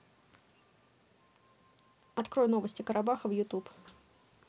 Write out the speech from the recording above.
открой новости карабаха в ютуб